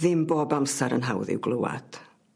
ddim bob amsar yn hawdd i'w glywad.